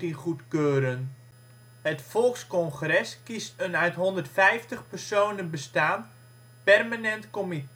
goedkeuren. Het Volkscongres kiest een uit 150 personen bestaand Permanente Comité